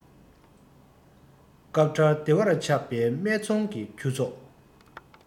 སྐབས འཕྲལ བདེ བར ཆགས པའི སྨད འཚོང གི ཁྱུ ཚོགས